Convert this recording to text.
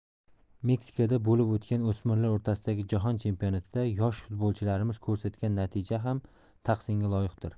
meksikada bo'lib o'tgan o'smirlar o'rtasidagi jahon chempionatida yosh futbolchilarimiz ko'rsatgan natija ham tahsinga loyiqdir